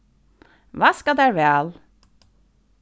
vaska tær væl